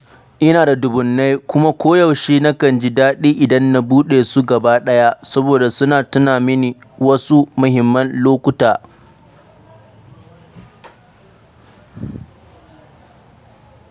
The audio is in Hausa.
Ina da dubunnai kuma koyaushe nakan ji daɗi idan na dube su gaba ɗaya, saboda suna tuna mini wasu muhimman lokuta.